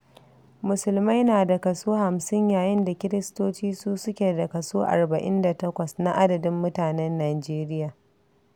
Musulmai na da kaso 50 yayin da Kiristoci su suke da kaso 48 na adadin mutanen Nijeriya.